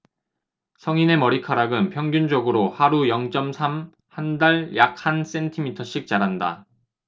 성인의 머리카락은 평균적으로 하루 영 쩜 삼 한 달 약 한 센티미터씩 자란다